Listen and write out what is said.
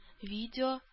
Видео